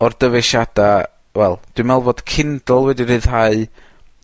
o'r dyfeisiada, wel, dwi meddwl fod Kindle wedi ryddhau